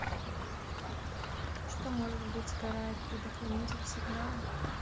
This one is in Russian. что может быть сгорает предохранитель сигнала